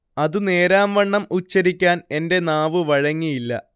അതു നേരാംവണ്ണം ഉച്ചരിക്കാൻ എൻെറ നാവു വഴങ്ങിയില്ല